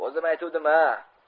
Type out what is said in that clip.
o'zim aytuvdim a